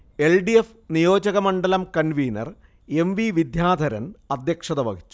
L. D. F. നിയോജകമണ്ഡലം convener M. V. Vidyadharan അധ്യക്ഷത വഹിച്ചു